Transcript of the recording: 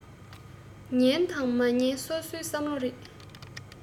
ཉན དང མ ཉན སོ སོའི བསམ བློ རེད